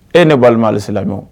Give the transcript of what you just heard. E ne walimaalilaɔn